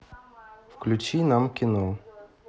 включи нам кино